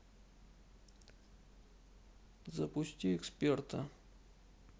запусти эксперта